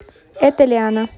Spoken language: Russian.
это лиана